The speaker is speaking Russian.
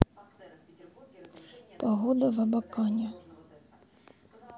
погода в абакане